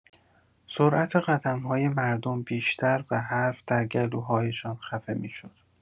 سرعت قدم‌های مردم بیشتر و حرف در گلوهایشان خفه می‌شد.